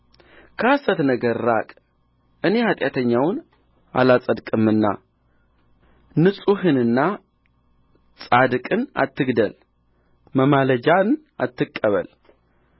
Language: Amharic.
ከሐሰት ነገር ራቅ እኔ ኃጢአተኛውን አላጸድቅምና ንጹሕንና ጻድቅን አትግደል ማማለጃን አትቀበል